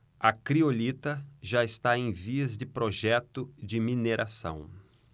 a criolita já está em vias de projeto de mineração